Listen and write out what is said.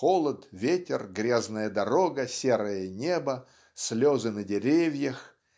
холод, ветер, грязная дорога, серое небо, слезы на деревьях